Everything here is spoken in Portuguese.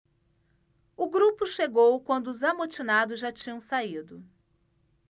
o grupo chegou quando os amotinados já tinham saído